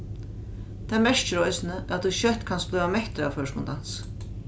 tað merkir eisini at tú skjótt kanst blíva mettur av føroyskum dansi